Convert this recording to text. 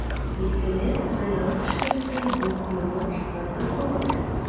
Билгеле, зыялы кешеләргә бу куелыш кызык булыр.